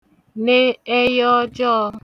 ne ẹyā ọjọọ̄